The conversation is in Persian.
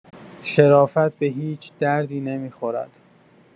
شرافت به هیچ دردی نمی‌خورد.